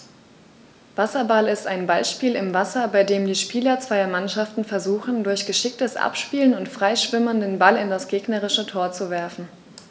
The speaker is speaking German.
Wasserball ist ein Ballspiel im Wasser, bei dem die Spieler zweier Mannschaften versuchen, durch geschicktes Abspielen und Freischwimmen den Ball in das gegnerische Tor zu werfen.